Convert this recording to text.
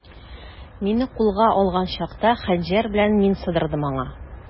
Мине кулга алган чакта, хәнҗәр белән мин сыдырдым аңа.